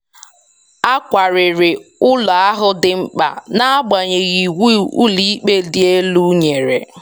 A kwariri ụlọ ahụ dị mkpa na-agbanyeghị Iwu Ụlọikpe Dị Elu nyere.